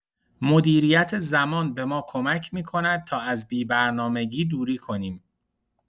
مدیریت زمان به ما کمک می‌کند تا از بی‌برنامگی دوری کنیم.